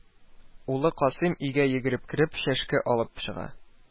Улы Касыйм, өйгә йөгереп кереп, чәшке алып чыга